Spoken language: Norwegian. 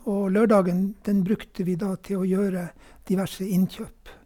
Og lørdagen, den brukte vi da til å gjøre diverse innkjøp.